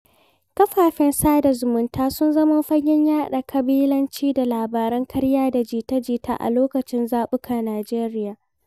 Kafafen sada zumunta sun zamo fagen yaɗa ƙabilanci da labaran ƙarya da jita-jita a lokacin zaɓukan Nijeriya.